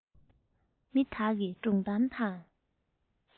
མི དག གིས སྒྲུང གཏམ དང